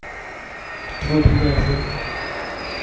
твой предатель